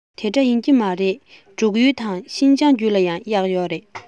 དེ འདྲ ཡིན གྱི མ རེད འབྲུག ཡུལ དང ཤིན ཅང རྒྱུད ལ ཡང གཡག ཡོད རེད